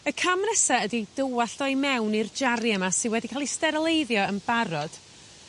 Y cam nesa ydi ei dywallt o i mewn i'r jaria 'ma sy wedi ca'l 'u steraleiddio yn barod